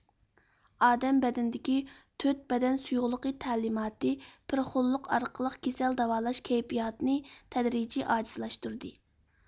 ئادەم بەدىنىدىكى تۆت بەدەن سۇيۇقلۇقى تەلىماتى پېرىخونلۇق ئارقىلىق كېسەل داۋالاش كەيپىياتىنى تەدرىجىي ئاجىزلاشتۇردى